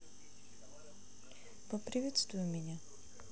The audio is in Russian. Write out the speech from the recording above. поприветствуй меня